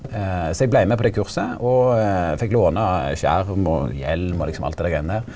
så eg blei med på det kurset og fekk låna skjerm og hjelm og liksom alt det der greiene der.